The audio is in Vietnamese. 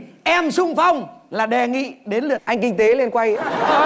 em xung phong là đề nghị đến lượt anh kinh tế lên quay